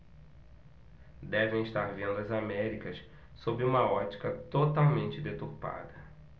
devem estar vendo as américas sob uma ótica totalmente deturpada